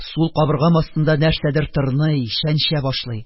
Сул кабыргам астында нәрсәдер тырный, чәнчә башлый.